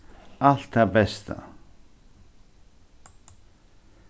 alt tað besta